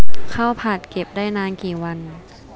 ข้าวผัดเก็บได้นานกี่วัน